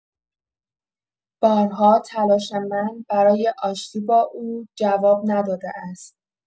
بارها تلاش من برای آشتی با او جواب نداده است.